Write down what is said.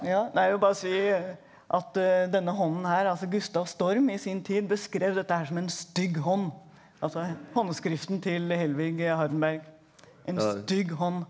ja nei jeg vil bare si at denne hånden her altså Gustav Storm i sin tid beskrev dette her som en stygg hånd altså håndskriften til Helvig Hardenberg en stygg hånd.